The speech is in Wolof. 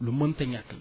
lu mënut a ñàkk la